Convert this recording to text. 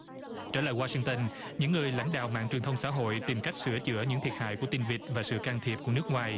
trả lời goa sinh tơn những người lãnh đạo mạng truyền thông xã hội tìm cách sửa chữa những thiệt hại của tin vịt và sự can thiệp của nước ngoài